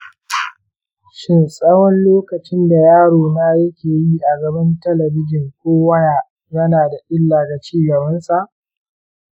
shin tsawon lokacin da yarona yake yi a gaban talabijin ko waya yana da illa ga ci gabansa?